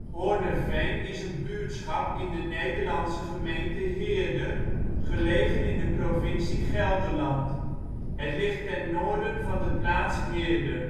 Hoornerveen is een buurtschap in de Nederlandse gemeente Heerde, gelegen in de provincie Gelderland. Het ligt ten noorden van de plaats Heerde